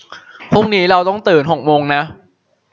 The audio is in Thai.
พรุ่งนี้เราต้องตื่นหกโมงนะ